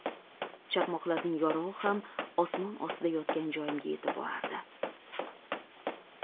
chaqmoqlarning yorug'i ham somon ostida yotgan joyimga yetib borardi